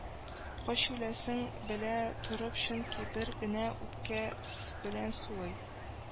Кач үләсен белә торып чөнки бер генә үпкә белән сулый